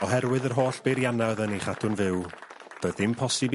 ..oherwydd yr holl beirianna o'dd yn ei chadw'n fyw doedd dim posib i...